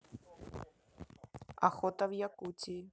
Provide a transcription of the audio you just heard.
охота в якутии